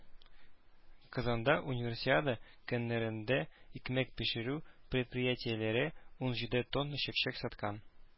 Казанда Универсиада көннәрендә икмәк пешерү предприятиеләре ун җиде тонна чәк-чәк саткан.